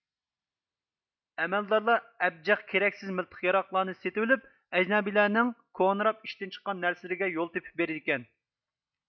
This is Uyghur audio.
ئەمەلدارلار ئەبجەخ كېرەكسىز مىلتىق ياراغلارنى سېتىۋېلىپ ئەجنەبىيلەرنىڭ كونىراپ ئىشتىن چىققان نەرسىلىرىگە يول تېپىپ بېرىدىكەن